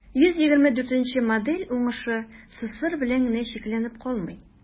124 нче модель уңышы ссср белән генә чикләнеп калмый.